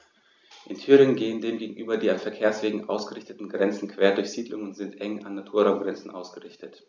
In Thüringen gehen dem gegenüber die an Verkehrswegen ausgerichteten Grenzen quer durch Siedlungen und sind eng an Naturraumgrenzen ausgerichtet.